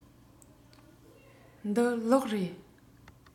འདི གློག རེད